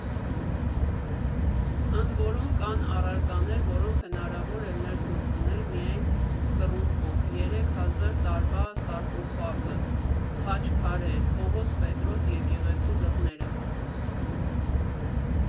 Ընդ որում, կան առարկաներ, որոնք հնարավոր էր ներս մտցնել միայն կռունկով՝ երեք հազար տարվա սարկոֆագը, խաչքարեր, Պողոս֊Պետրոս եկեղեցու դռները…